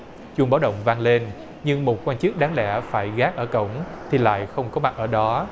chuông báo động vang lên nhưng một quan chức đáng lẽ phải gác ở cổng thì lại không có mặt ở đó